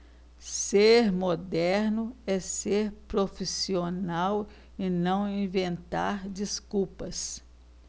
ser moderno é ser profissional e não inventar desculpas